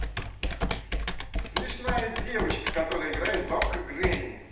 смешная девочка которая играет бабка гренни